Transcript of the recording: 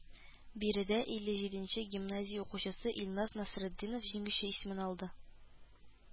Биредә илле җиденче гимназия укучысы Илназ Насретдинов җиңүче исемен алды